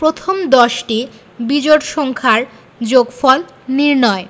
প্রথম দশটি বিজোড় সংখ্যার যোগফল নির্ণয়